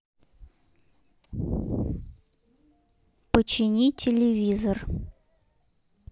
почини телевизор